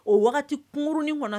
O wagati kunurunin w